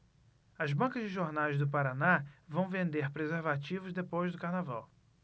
as bancas de jornais do paraná vão vender preservativos depois do carnaval